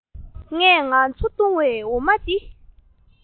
ངས ང ཚོས བཏུང བྱའི འོ མ དེ